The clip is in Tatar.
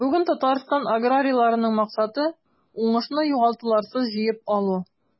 Бүген Татарстан аграрийларының максаты – уңышны югалтуларсыз җыеп алу.